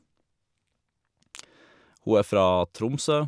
Hun er fra Tromsø.